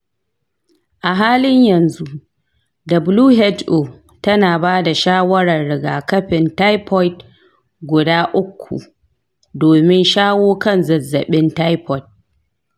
a halin yanzu, who tana ba da shawarar rigakafin taifoid guda uku domin shawo kan zazzabin taifoid.